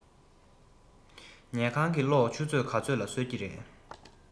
ཉལ ཁང གི གློག ཆུ ཚོད ག ཚོད ལ གསོད ཀྱི རེད